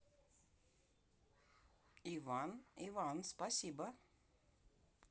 иван иван спасибо